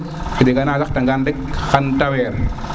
a jega na sax ta ngaan rek xan te weer